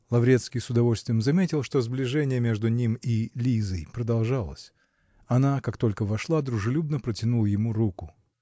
Лаврецкий с удовольствием заметил, что сближение между им и Лизой продолжалось: она, как только вошла, дружелюбно протянула ему руку.